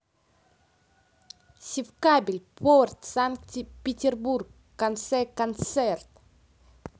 севкабель порт санкт петербург конце концерт